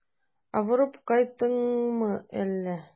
Авырып кайттыңмы әллә?